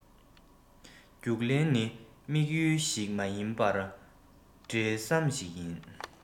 རྒྱུགས ལེན ནི དམིགས ཡུལ ཞིག མ ཡིན པར འབྲེལ ཟམ ཞིག ཡིན